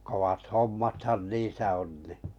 kovat hommathan niissä on niin